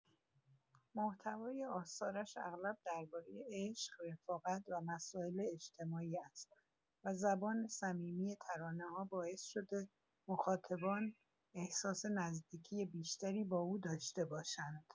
محتوای آثارش اغلب درباره عشق، رفاقت و مسائل اجتماعی است و زبان صمیمی ترانه‌ها باعث شده مخاطبان احساس نزدیکی بیشتری با او داشته باشند.